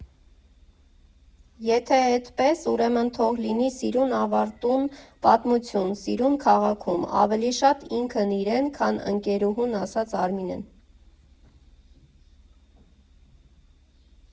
Եթե էդպես, ուրեմն թող լինի սիրուն, ավարտուն պատմություն՝ սիրուն քաղաքում, ֊ ավելի շատ ինքն իրեն, քան ընկերուհուն ասաց Արմինեն։